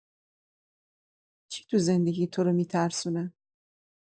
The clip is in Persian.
چی تو زندگیت تو رو می‌ترسونه؟